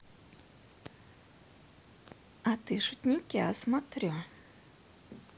а ты шутникя смотрю